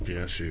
bien sur